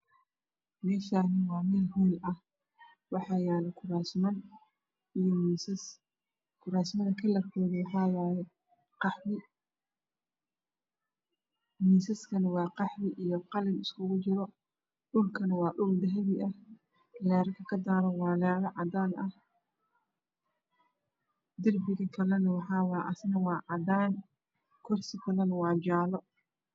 Halkan waa hool wax yalo misas iyo guras o kakoban cades iyo qahwi